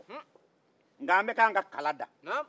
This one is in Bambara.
nka na bɛka an ka kala da